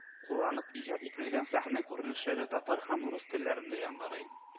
Кулланып иҗат ителгән сәхнә күренешләре татар һәм рус телләрендә яңгырый